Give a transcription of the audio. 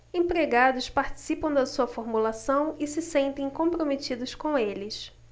empregados participam da sua formulação e se sentem comprometidos com eles